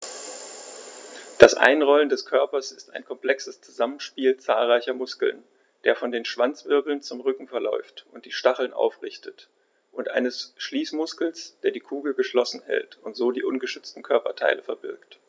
Das Einrollen des Körpers ist ein komplexes Zusammenspiel zahlreicher Muskeln, der von den Schwanzwirbeln zum Rücken verläuft und die Stacheln aufrichtet, und eines Schließmuskels, der die Kugel geschlossen hält und so die ungeschützten Körperteile verbirgt.